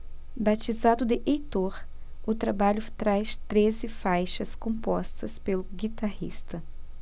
batizado de heitor o trabalho traz treze faixas compostas pelo guitarrista